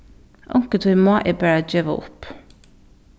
onkuntíð má eg bara geva upp